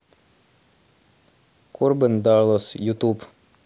корбен даллас ютюб